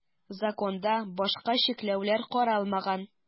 Законда башка чикләүләр каралмаган.